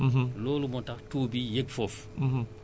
waaw Louga fii la risque yi ëppee ci mbirum taw